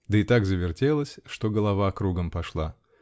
Да и так завертелась, что голова кругом пошла".